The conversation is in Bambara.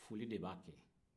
foli de b'a kɛ